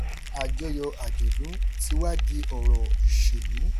Àjọyọ̀ àjọ̀dún ti wá di ọ̀rọ̀ ìṣèlú.